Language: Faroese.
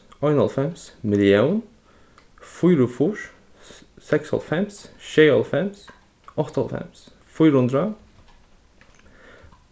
einoghálvfems millión fýraogfýrs seksoghálvfems sjeyoghálvfems áttaoghálvfems fýra hundrað